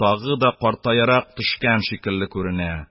Тагы да картаярак төшкән шикелле күренә;